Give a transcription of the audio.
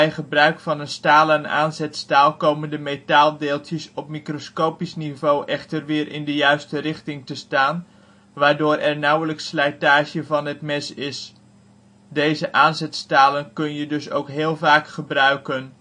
gebruik van een stalen aanzetstaal komen de metaaldeeltjes op microscopisch niveau echter weer in de juiste richting te staan, waardoor er nauwelijks slijtage van het mes is. Deze aanzetstalen kun je (en moet je) dus ook heel vaak gebruiken